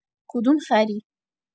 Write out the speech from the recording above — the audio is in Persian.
کدوم خری